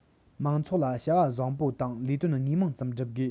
མང ཚོགས ལ བྱ བ བཟང པོ དང ལས དོན དངོས མང ཙམ སྒྲུབ དགོས